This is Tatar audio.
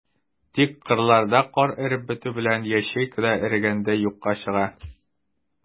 Тик кырларда кар эреп бетү белән, ячейка да эрегәндәй юкка чыга.